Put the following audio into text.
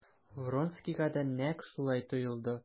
Вронскийга да нәкъ шулай тоелды.